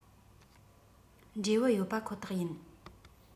འབྲས བུ ཡོད པ ཁོ ཐག ཡིན